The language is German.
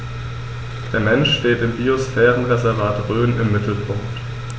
Der Mensch steht im Biosphärenreservat Rhön im Mittelpunkt.